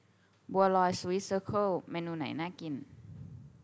บัวลอยสวีทเซอเคิลเมนูไหนน่ากิน